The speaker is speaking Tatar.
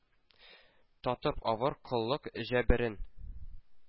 Татып авыр коллык җәберен